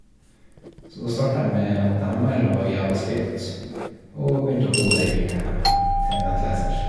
Så da starta jeg med HTML og JavaScript, og begynte å kode i til en nettleser.